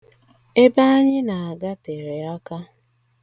Ebe anyị na-aga tere aka.